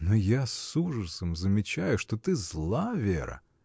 Но я с ужасом замечаю, что ты зла, Вера.